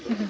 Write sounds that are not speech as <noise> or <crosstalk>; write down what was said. <hesitation> <hesitation>